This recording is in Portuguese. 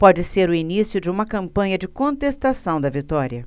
pode ser o início de uma campanha de contestação da vitória